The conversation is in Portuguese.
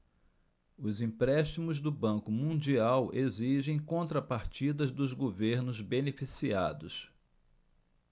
os empréstimos do banco mundial exigem contrapartidas dos governos beneficiados